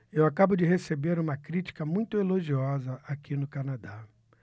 eu acabo de receber uma crítica muito elogiosa aqui no canadá